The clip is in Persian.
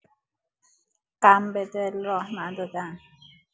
غم به دل راه ندادن